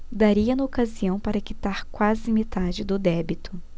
daria na ocasião para quitar quase metade do débito